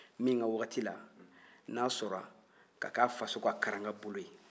min ka waati la n'a sɔnna ka k'a faso ka karangabolo ye